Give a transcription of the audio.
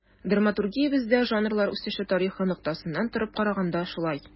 Драматургиябездә жанрлар үсеше тарихы ноктасынан торып караганда да шулай.